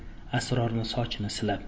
srorning sochini silab